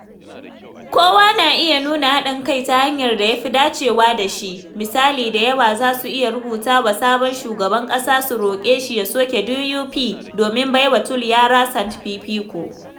Kowa na iya nuna haɗin kai ta hanyar da ya fi dacewa da shi — misali, da yawa za su iya rubuta wa sabon shugaban ƙasa su roƙe shi ya soke DUP domin baiwa Toliara Sands fifiko.